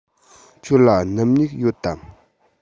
ཁྱོད ལ སྣུམ སྨྱུག ཡོད དམ